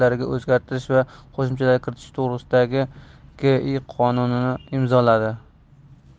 o'zgartish va qo'shimchalar kiritish to'g'risida gi qonunni imzoladi